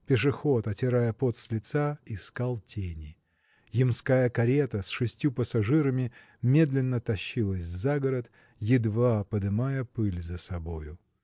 Пешеход, отирая пот с лица, искал тени. Ямская карета с шестью пассажирами медленно тащилась за город едва подымая пыль за собою.